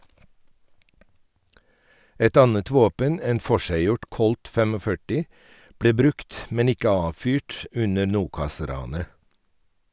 Et annet våpen, en forseggjort colt 45, ble brukt, men ikke avfyrt, under Nokas-ranet.